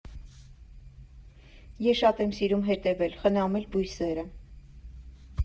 Ես շատ եմ սիրում հետևել, խնամել բույսերը։